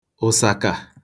ụ̀sàkà